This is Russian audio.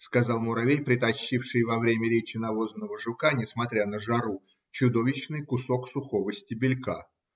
– сказал муравей, притащивший во время речи навозного жука, несмотря на жару, чудовищный кусок сухого стебелька.